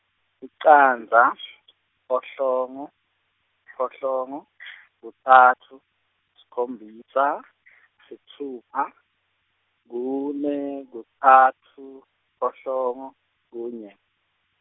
licandza, siphohlongo, siphohlongo, kutsatfu, sikhombisa , sitfupha, kune, kutsatfu, siphohlongo, kunye.